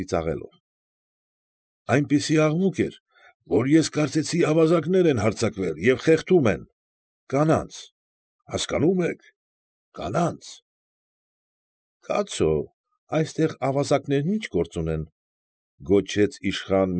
Ծիծաղելով,֊ այնպիսի աղմուկ էր, որ ես կարծեցի ավազակներ են հարձակվել և խեղդում են… կանանց… հասկանո՞մ եք, կանանց… ֊ Կացո, այստեղ ավազակներ ի՞նչ գործ ունեն,֊ գոչեց իշխան։